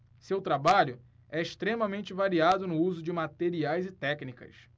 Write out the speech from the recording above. seu trabalho é extremamente variado no uso de materiais e técnicas